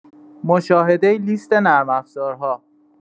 مشاهده لیست نرم‌افزارها